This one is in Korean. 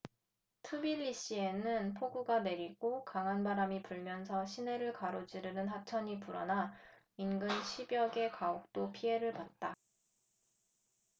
트빌리시에는 폭우가 내리고 강한 바람이 불면서 시내를 가로지르는 하천이 불어나 인근 십 여 개 가옥도 피해를 봤다